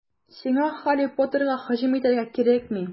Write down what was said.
Сиңа Һарри Поттерга һөҗүм итәргә кирәкми.